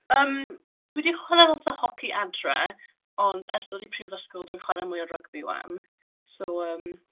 Yym, dwi 'di chwarae lot o hoci adre, ond ers dod i'r Prifysgol dwi'n chwarae mwy o rygbi 'wan. So, yym...